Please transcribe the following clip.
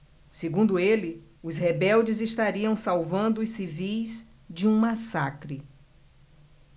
segundo ele os rebeldes estariam salvando os civis de um massacre